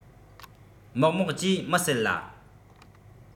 མོག མོག ཅེས མི ཟེར ལ